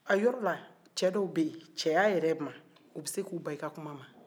a yɔrɔ la cɛ dɔw bɛ ye cɛya yɛrɛ ma u bɛ se k'u ban i ka kuma ma